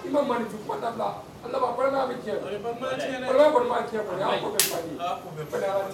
I ma mandala a bɛ kɔni cɛ